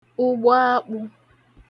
ugboakpụ̄